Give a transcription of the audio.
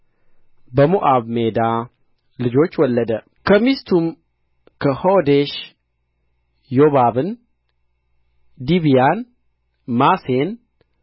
በሞዓብ ሜዳ ልጆች ወለደ ከሚስቱ ከሖዴሽ ዮባብን ዲብያን ማሴን